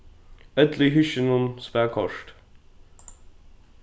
øll í húskinum spæla kort